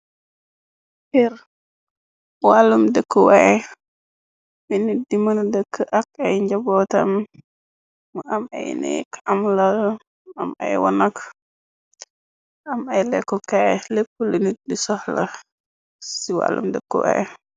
Keur wàllum dëkkuwaay minit di mëna dëkk ak ay njobootam mu am ay néek am lal am ay wonak am ay leku kaay lépp lu nit di soxla ci wàllum dëkkuwaay.